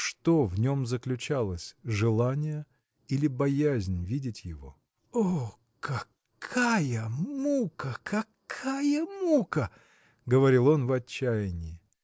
что в нем заключалось: желание или боязнь видеть его? – О, какая мука! какая мука! – говорил он в отчаянии.